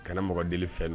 Kɛlɛmɔgɔ deli fɛn